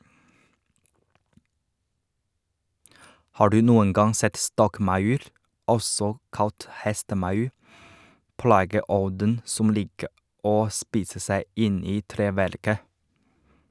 Har du noen gang sett stokkmaur, også kalt hestemaur, plageånden som liker å spise seg inn i treverket?